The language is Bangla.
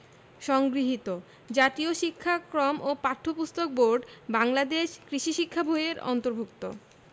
সংগৃহীত জাতীয় শিক্ষাক্রম ও পাঠ্যপুস্তক বোর্ড বাংলাদেশ কৃষি শিক্ষা বই এর অন্তর্ভুক্ত